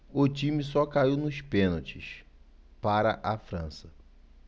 o time só caiu nos pênaltis para a frança